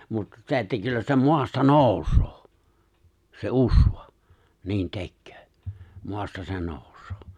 mutta se että kyllä se maasta nousee se usva niin tekee maasta se nousee